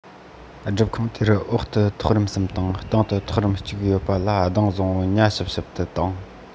སྒྲུབ ཁང དེར འོག ཏུ ཐོག རིམ གསུམ དང སྟེང དུ ཐོག རིམ གཅིག ཡོད པ ལ གདུང བཟང པོ ཉ གཞིབ གཞིབ ཏུ བཏང